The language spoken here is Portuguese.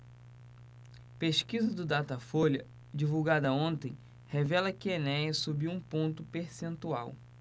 pesquisa do datafolha divulgada ontem revela que enéas subiu um ponto percentual